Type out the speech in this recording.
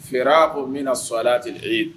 Fɛ o min na so ten e